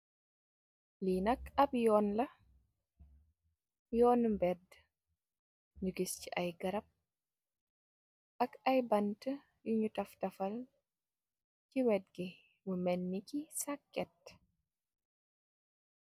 Lii nak ab yoon la, yoonu mbéédë ñu gis ci ay garab ak ay bantë, yuñg taf tafal ci wet gi, mu melni saccet.